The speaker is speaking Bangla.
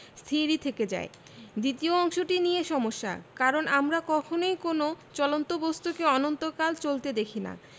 স্থির থেকে যায় দ্বিতীয় অংশটি নিয়ে সমস্যা কারণ আমরা কখনোই কোনো চলন্ত বস্তুকে অনন্তকাল চলতে দেখি না